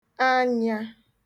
anyā